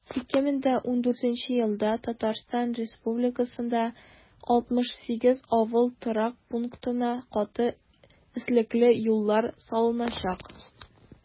2014 елда татарстан республикасында 68 авыл торак пунктына каты өслекле юллар салыначак.